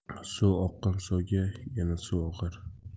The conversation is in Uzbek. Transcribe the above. suv oqqan soyga yana suv oqar